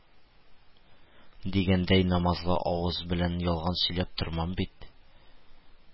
Дигәндәй, намазлы авыз белән ялган сөйләп тормам бит